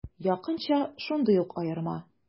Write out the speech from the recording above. Якынча шундый ук аерма.